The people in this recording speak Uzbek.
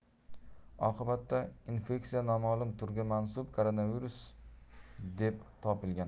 oqibatda infeksiya noma'lum turga mansub koronavirus deb topilgan